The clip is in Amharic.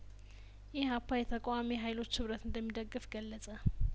ኢህአፓ የተቃዋሚ ሀይሎች ሀብረት እንደሚደግፍ ገለጸ